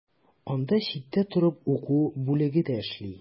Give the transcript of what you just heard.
Анда читтән торып уку бүлеге дә эшли.